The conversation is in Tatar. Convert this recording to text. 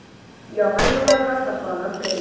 Яңа елларга сафланып керик.